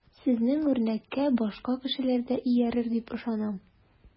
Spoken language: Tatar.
Сезнең үрнәккә башка кешеләр дә иярер дип ышанам.